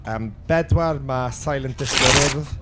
Am bedwar ma' Silent Disco yr Urdd.